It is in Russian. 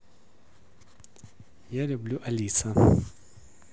я люблю алиса